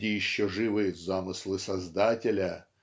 где еще живы "замыслы Создателя